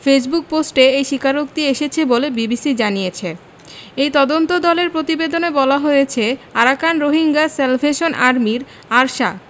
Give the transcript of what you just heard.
Facebook পোস্টে এই স্বীকারোক্তি এসেছে বলে বিবিসি জানিয়েছে ওই তদন্তদলের প্রতিবেদনে বলা হয়েছে আরাকান রোহিঙ্গা স্যালভেশন আর্মির আরসা